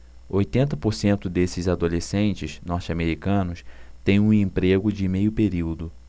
oitenta por cento desses adolescentes norte-americanos têm um emprego de meio período